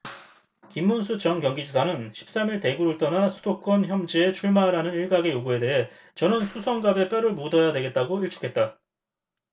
김문수 전 경기지사는 십 삼 일 대구를 떠나 수도권 험지에 출마하라는 일각의 요구에 대해 저는 수성갑에 뼈를 묻어야 되겠다고 일축했다